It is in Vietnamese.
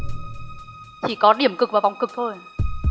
cực và vòng cực thôi